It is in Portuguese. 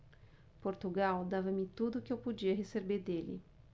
portugal dava-me tudo o que eu podia receber dele